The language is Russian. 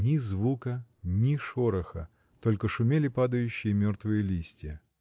Ни звука, ни шороха: только шумели падающие мертвые листья.